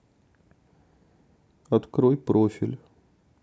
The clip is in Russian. открой профиль